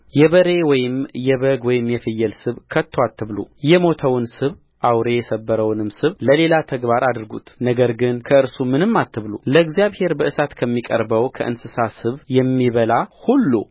የበሬ ወይም የበግ ወይም የፍየል ስብ ከቶ አትብሉየሞተውን ስብ አውሬ የሰበረውንም ስብ ለሌላ ተግባር አድርጉት ነገር ግን ከእርሱ ምንም አትብሉ ለእግዚአብሔር በእሳት ከሚቀርበው ከእንስሳ ስብ የሚበላ ሁሉ